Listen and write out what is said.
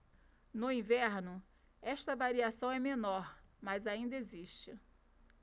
no inverno esta variação é menor mas ainda existe